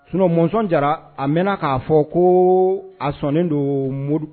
Sunɔ mɔnzɔn jara a mɛn k'a fɔ ko a sɔnnen don mori